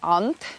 Ond